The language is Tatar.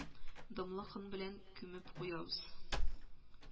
Дымлы ком белән күмеп куябыз